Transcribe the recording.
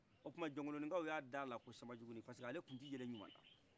o tun mana jɔkoloni kaw y'a dala ko sanba juguni parce que ale tun tɛ yɛlɛ jumanna